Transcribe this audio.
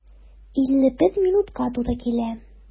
51 минутка туры килә.